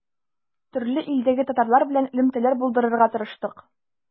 Төрле илдәге татарлар белән элемтәләр булдырырга тырыштык.